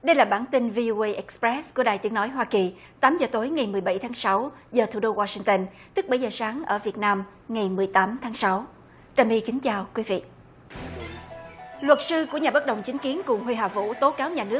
đây là bản tin vi ô ây ích pờ rét của đài tiếng nói hoa kỳ tám giờ tối ngày mười bảy tháng sáu giờ thủ đô goa sinh tơn tức bảy giờ sáng ở việt nam ngày mười tám tháng sáu trà my kính chào quý vị luật sư của nhà bất đồng chính kiến cùng huy hà vũ tố cáo nhà nước